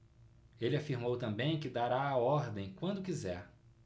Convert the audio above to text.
ele afirmou também que dará a ordem quando quiser